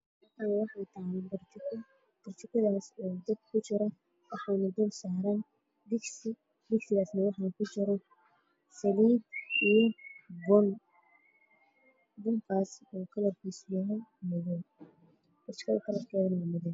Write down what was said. Waa burjiko lagu saaran dugsi ku jiraan saliid iyo lagu karinayo bun dhulka waa bannaan wax cad ayaa ag yaalo